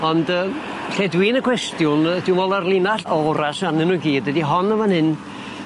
Ond yy lle dwi yn y cwestiwn yy dwi me'wl ma'r linell ora sy arnyn nw i gyd ydi hon yn fan 'yn